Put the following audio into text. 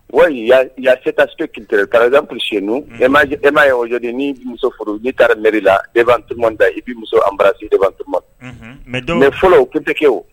Oui il y'a il y'a cet aspect culturel par exemple chez nous unhun emaji e m'a ye aujourd'hui n'i be muso furu n'i taara mairie la devant tout le monde da i b'i muso embrasser devant tout le monde unhun mais dɔw mais fɔlɔ o tun tɛ kɛ o